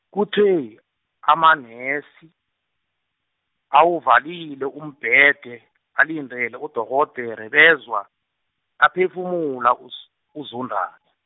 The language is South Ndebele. kuthe amanese, awuvalile umbhede, alindele udorhodere bezwa, aphefumula uZ- uZondani.